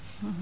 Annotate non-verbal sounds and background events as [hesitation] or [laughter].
[hesitation] [hesitation]